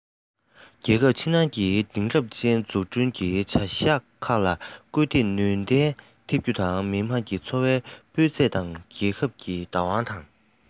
རྒྱལ ཁབ ཕྱི ནང གི དེང རབས ཅན འཛུགས སྐྲུན གྱི བྱ གཞག ཁག ལ སྐུལ འདེད ནུས ལྡན ཐེབས རྒྱུ དང མི དམངས ཀྱི འཚོ བའི སྤུས ཚད དང རྒྱལ ཁབ ཀྱི བདག དབང དང